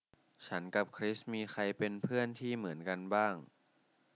ฉันกับคริสมีใครเป็นเพื่อนที่เหมือนกันบ้าง